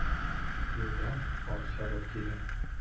Юлдан ат чабып килә.